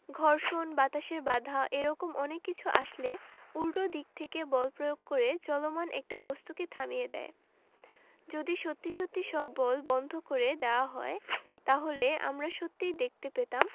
ঘর্ষণ বাতাসের বাধা এ রকম অনেক কিছু আসলে উল্টো দিক থেকে বল প্রয়োগ করে চলমান একটা বস্তুকে থামিয়ে দেয় যদি সত্যি সত্যি সব বল বন্ধ করে দেওয়া যেত তাহলে আমরা সত্যিই দেখতে পেতাম